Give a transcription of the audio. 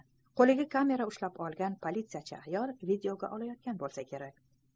qo'liga kamera ushlab olgan politsiyachi ayol videoga olayotgan bo'lsa kerak